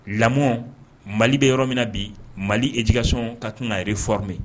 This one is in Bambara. Lamɔ mali bɛ yɔrɔ min na bi mali e jigkaso ka tɛna are f mɛn